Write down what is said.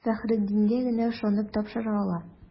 Фәхреддингә генә ышанып тапшыра ала.